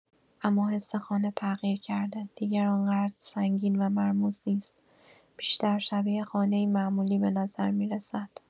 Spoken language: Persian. اما حس خانه تغییر کرده، دیگر آن‌قدر سنگین و مرموز نیست، بیشتر شبیه خانه‌ای معمولی به نظر می‌رسد.